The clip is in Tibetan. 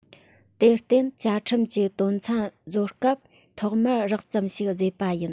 དེར བརྟེན བཅའ ཁྲིམས ཀྱི དོན ཚན བཟོ སྐབས ཐོག མར རགས ཙམ ཞིག བཟོས པ ཡིན